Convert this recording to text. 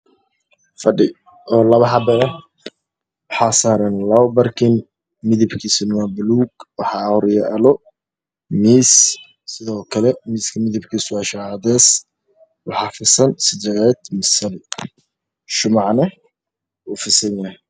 Waa fadhi labo xabo ah waxaa dusha ka saaran labo barkin